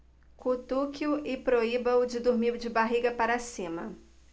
cutuque-o e proíba-o de dormir de barriga para cima